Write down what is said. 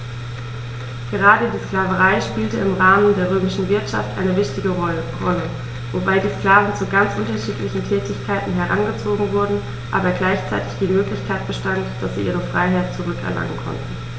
Gerade die Sklaverei spielte im Rahmen der römischen Wirtschaft eine wichtige Rolle, wobei die Sklaven zu ganz unterschiedlichen Tätigkeiten herangezogen wurden, aber gleichzeitig die Möglichkeit bestand, dass sie ihre Freiheit zurück erlangen konnten.